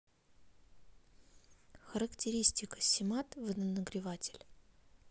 характеристика симат водонагреватель